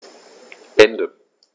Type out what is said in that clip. Ende.